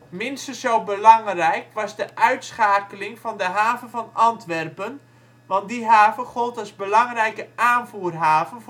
Minstens zo belangrijk was de uitschakeling van de haven van Antwerpen, want die haven gold als belangrijke aanvoerhaven